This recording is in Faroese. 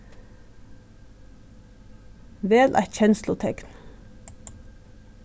vel eitt kenslutekn